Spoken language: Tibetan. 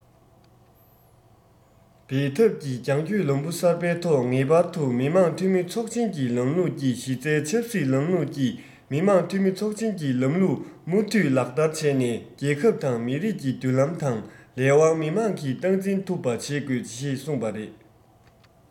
འབད འཐབ ཀྱི རྒྱང སྐྱོད ལམ བུ གསར པའི ཐོག ངེས པར དུ མི དམངས འཐུས མི ཚོགས ཆེན གྱི ལམ ལུགས ཀྱི གཞི རྩའི ཆབ སྲིད ལམ ལུགས ཀྱི མི དམངས འཐུས མི ཚོགས ཆེན གྱི ལམ ལུགས མུ མཐུད ལག བསྟར བྱས ནས རྒྱལ ཁབ དང མི རིགས ཀྱི མདུན ལམ དང ལས དབང མི དམངས ཀྱིས སྟངས འཛིན ཐུབ པ བྱེད དགོས ཞེས གསུངས པ རེད